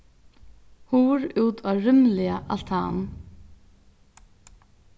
hurð út á rúmliga altan